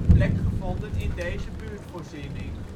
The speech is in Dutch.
plek gevonden in deze buurtvoorziening